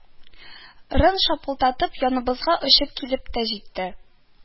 Рын шапылдатып, яныбызга очып килеп тә җитте